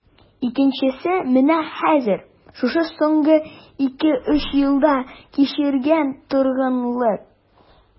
Икенчесе менә хәзер, шушы соңгы ике-өч елда кичергән торгынлык...